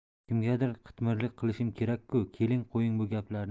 kimgadir qitmirlik qilishim kerak ku keling qo'ying bu gaplarni